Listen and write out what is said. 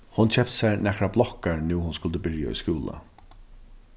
hon keypti sær nakrar blokkar nú hon skuldi byrja í skúla